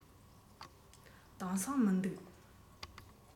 དེང སང མི འདུག